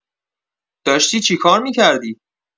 داشتی چیکار می‌کردی؟